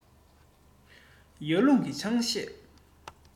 ཡར ཀླུང གིས ཆང གཞས